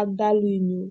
ak dalax yu gul.